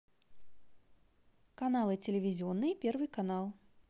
каналы телевизионные первый канал